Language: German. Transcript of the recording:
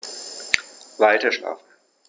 Weiterschlafen.